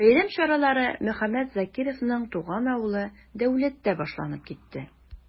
Бәйрәм чаралары Мөхәммәт Закировның туган авылы Дәүләттә башланып китте.